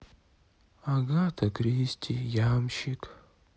агата кристи ямщик